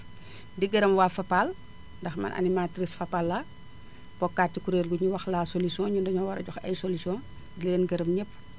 di gërëm waa Fapal ndax man animatrice Fapal laa bokkaat ci kuréel gi énuy wax la solution énun dañoo war a joxe ay solution di leen gërëm énëpp